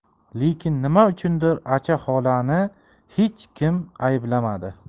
lekin nima uchundir acha xolani hech kim ayblamadi